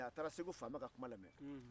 a taara segu faama ka kuma lamɛn